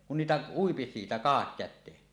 kun niitä ui siitä kahdakäteen